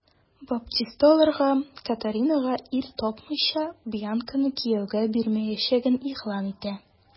Баптиста аларга, Катаринага ир тапмыйча, Бьянканы кияүгә бирмәячәген игълан итә.